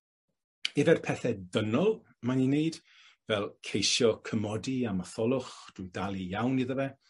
Yfe'r pethe dynnol mae'n 'i wneud fel ceisio cymodi â Matholwch drwy dalu iawn iddo fe?